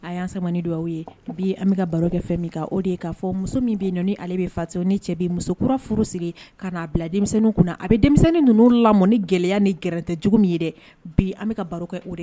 A y'samani don aw ye bi an bɛ ka baro kɛ fɛn min o de ye k'a fɔ muso min bɛ ni ale bɛ fasa ni cɛ bɛ musokura furu sigi ka n'a bila denmisɛnnin kunna a bɛ denmisɛnnin ninnu la ni gɛlɛyaya ni gɛrɛ tɛ jugu min ye dɛ bi an bɛ ka baro kɛ o de